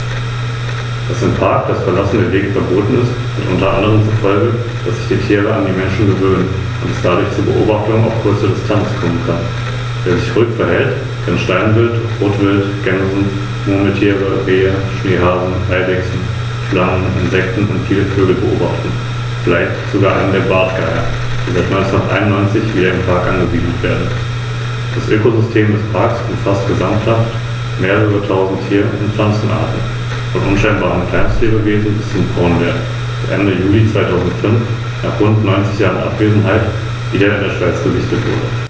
Auf Grund der unterschiedlichen Färbung war bis ca. 1900 auch die Bezeichnung Goldadler für ausgewachsene Steinadler gebräuchlich.